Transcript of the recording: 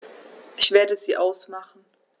Ich werde sie ausmachen.